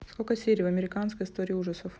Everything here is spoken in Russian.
сколько серий в американской истории ужасов